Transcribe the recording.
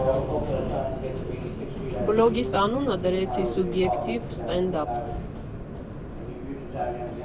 Բլոգիս անունը դրեցի «Սուբյեկտիվ ստենդափ»։